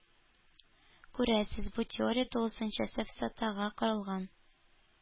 Күрәсез, бу теория тулысынча сафсатага корылган.